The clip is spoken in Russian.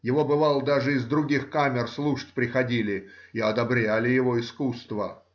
Его, бывало, даже из других камер слушать приходили и одобряли его искусство.